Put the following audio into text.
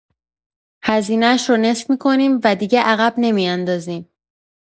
هزینه‌اش رو نصف می‌کنیم و دیگه عقب نمی‌اندازیم.